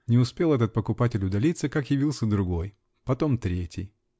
Не успел этот покупатель удалиться, как явился другой, потом третий .